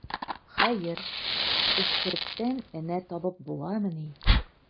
Хәер, эскерттән энә табып буламыни.